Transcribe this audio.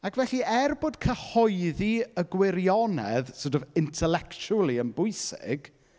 Ac felly er bod cyhoeddi y gwirionedd sort of intellectually yn bwysig...